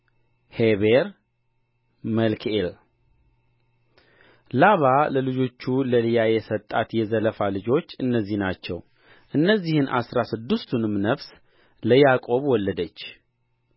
ሜራሪ የይሁዳም ልጆች ዔር አውናን ሴሎም ፋሬስ